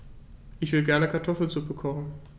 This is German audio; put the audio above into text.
Ich will gerne Kartoffelsuppe kochen.